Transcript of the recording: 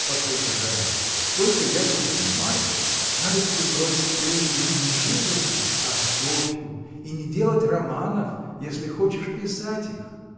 — Послушай, Райский, сколько я тут понимаю, надо тебе бросить прежде не живопись, а Софью, и не делать романов, если хочешь писать их.